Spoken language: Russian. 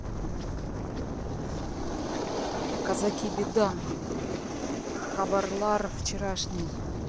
казаки беда xabarlar вчерашний